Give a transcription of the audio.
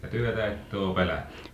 ja työtä ette ole pelännyt